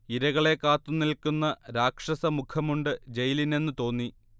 ഇരകളെ കാത്തുനിൽക്കുന്ന രാക്ഷസ മുഖമുണ്ട് ജയിലിനെന്ന് തോന്നി